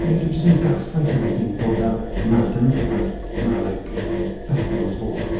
Neu ydwi jyst yn gaslaito fy hun i fod fel... Na, dyna sut ma' ma' like festivals fod.